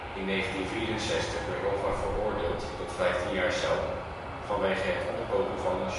In 1964 werd Hoffa veroordeeld tot 15 jaar cel vanwege het omkopen van een